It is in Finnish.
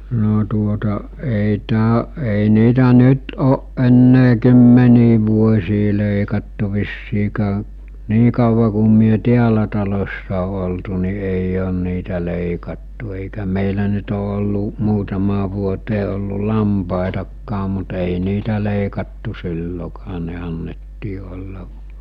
no tuota ei - ei niitä nyt ole enää kymmeniin vuosiin leikattu vissiin niin kauan kun me täällä talossa on oltu niin ei ole niitä leikattu eikä meillä nyt ole ollut muutamaan vuoteen ollut lampaitakaan mutta ei niitä leikattu silloinkaan ne annettiin olla